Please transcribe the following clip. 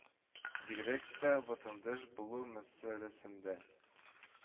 Бигрәк тә ватандаш булу мәсьәләсендә